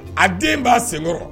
A den b'a senkɔrɔ